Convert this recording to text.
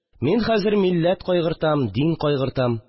Мин хәзер милләт кайгыртам, дин кайгыртам